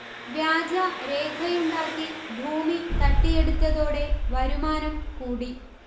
വ്യാജ രേഖയുണ്ടാക്കി ഭൂമി തട്ടിയെടുത്തതോടെവരുമാനം കൂടി